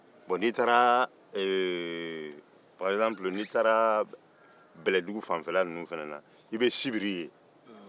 bon n'i taara bɛlɛdugu fanfɛla ninnu na i bɛ sibiri ye